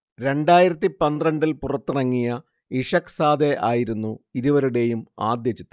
രണ്ടായിരത്തിപന്ത്രണ്ടില്‍ പുറത്തിറങ്ങിയ ഇഷ്ഖ്സാദെ ആയിരുന്നു ഇരുവരുടെയും ആദ്യ ചിത്രം